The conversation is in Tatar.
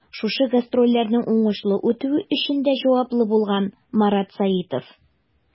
Шушы гастрольләрнең уңышлы үтүе өчен дә җаваплы булган Марат Сәитов.